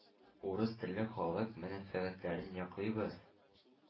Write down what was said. «урыс телле халык» мәнфәгатьләрен яклыйбыз,